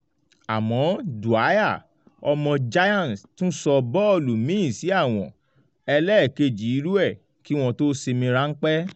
Àmọ́ Dwyer, ọmọ Giants, tún sọ bọ́ọ̀lù míì sí àwọ̀n -ẹlẹ́kèjì irú ẹ̀ - kí wọ́n tó sinmi ráńpé.